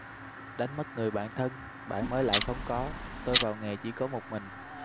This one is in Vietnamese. đánh mất người bạn thân bạn mới lại không có tôi vào nghề chỉ có một mình